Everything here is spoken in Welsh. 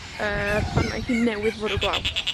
yy, pan mae hi newydd fwrw glaw.